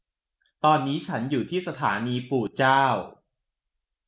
ตอนนี้ฉันอยู่ที่สถานีปู่เจ้า